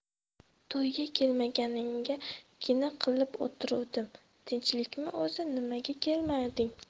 to'yga kelmaganingga gina qilib o'tiruvdim tinchlikmi o'zi nimaga kelmading